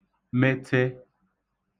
mete